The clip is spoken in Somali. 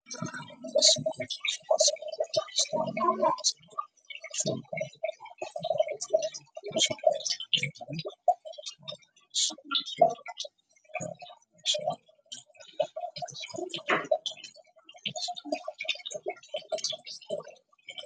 Meeshan waa suuq loogu kala gadanaayo khudaarta